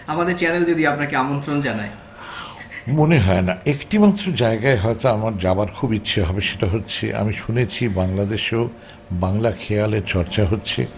আমাদের চ্যানেল যদি আপনাকে আমন্ত্রণ জানায় মনে হয় না একটি মাত্র জায়গায় হয়তো আমার যাবার খুব ইচ্ছা হবে সেটা হচ্ছে আমি শুনেছি বাংলাদেশেও বাংলা খেয়ালের চর্চা হচ্ছে